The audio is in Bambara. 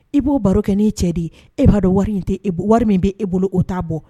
I b'o baro kɛ'i cɛ di e b'a dɔn wari in tɛ wari min bɛ' e bolo o t'a bɔ